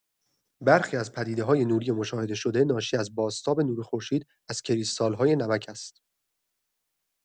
برخی از پدیده‌های نوری مشاهده شده ناشی از بازتاب نور خورشید از کریستال‌های نمک است.